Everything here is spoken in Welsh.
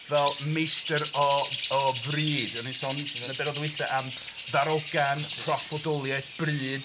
Fel meistr o- o fryd. O'n i'n sôn yn y bennod ddiwetha' am ddarogan, proffwydoliaeth, bryd.